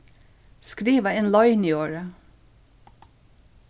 skriva inn loyniorðið